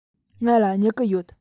ང ལ སྨྱུ གུ ཡོད